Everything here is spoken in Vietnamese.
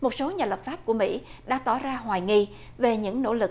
một số nhà lập pháp của mỹ đã tỏ ra hoài nghi về những nỗ lực